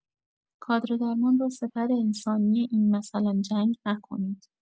کادر درمان را سپر انسانی این مثلا جنگ نکنید.